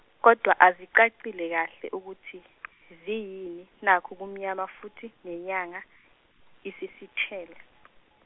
kodwa azicacile kahle ukuthi ziyini nakhu kumnyama futhi nenyanga, isisithele.